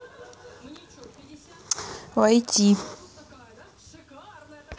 войти